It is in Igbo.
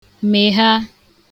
mèha